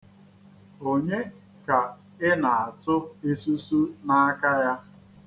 Onye ka ị na-atụ isusu n'aka ya?